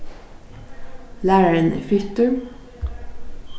lærarin er fittur